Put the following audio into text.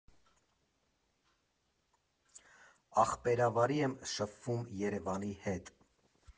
Ախպերավարի եմ շփվում Երևանի հետ։